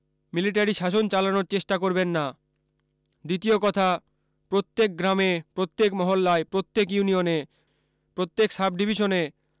military শাসন চালানো চেষ্টা করবেন না দ্বিতীয় কথা প্রত্যেক গ্রামে প্রত্যেক মহল্লায় প্রত্যেক ইউনিয়নে প্রত্যেক সাবডিভিশনে